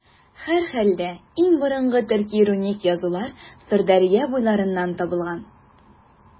Һәрхәлдә, иң борынгы төрки руник язулар Сырдәрья буйларыннан табылган.